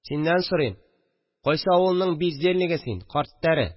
– синнән сорыйм: кайсы авылның бездельнигы син, карт тәре